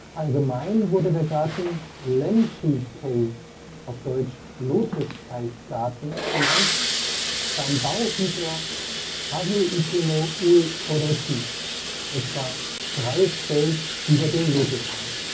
Allgemein wurde der Garten " Renchitei " (Lotusteich-Garten) genannt, beim Bau hieß er " Hasu-ike no ue oroji ", etwa " Freies Feld über dem Lotusteich